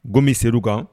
G bɛ se kan